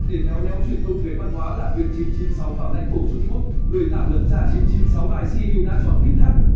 để khéo léo truyền thông về văn hóa làm việc vào lãnh thổ trung quốc người tạo lập ra icu đã chọn github